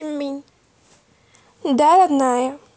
да родная